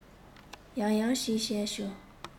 ཡང ཡང བྱིལ བྱས བྱུང